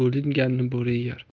bo'linganni bo'ri yer